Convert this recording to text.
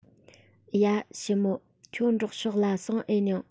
ཡ ཞོ མྰ ཁྱོད འབྲོག ཕྱོགས འ སོང ཨེ མྱོང